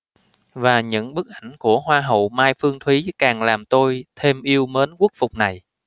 và những bức ảnh của hoa hậu mai phương thúy càng làm tôi thêm yêu mến quốc phục này